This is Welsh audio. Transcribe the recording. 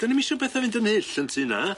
Do'n i'm isio betha fynd yn hyll yn tŷ na?